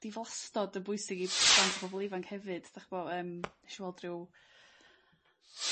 diflastod yn bwysig i blant a pobol ifanc hefyd 'dych ch'bo' yrm nesh i weld rhyw...